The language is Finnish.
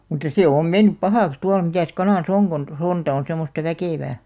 mutta se on mennyt pahaksi tuolla mitäs kanassa on kun sonta on semmoista väkevää